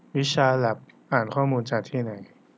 วิชาแล็บอ่านข้อมูลจากที่ไหน